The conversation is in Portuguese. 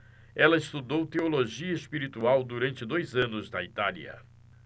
ela estudou teologia espiritual durante dois anos na itália